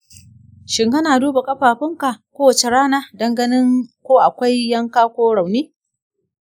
shin kana duba ƙafafunka kowace rana don ganin ko akwai yanka ko rauni?